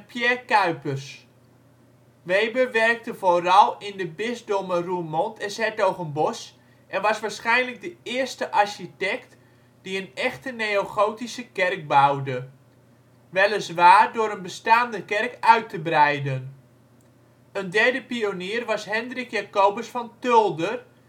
Cuypers. Weber werkte vooral in de bisdommen Roermond en ' s-Hertogenbosch en was waarschijnlijk de eerste architect die een echte neogotische kerk bouwde, weliswaar door een bestaande kerk uit te breiden. Een derde pionier was Hendrik Jacobus van Tulder